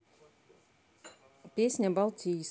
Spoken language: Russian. песня балтийск